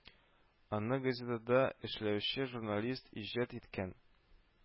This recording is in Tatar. Аны газетада эшләүче журналист иҗат иткән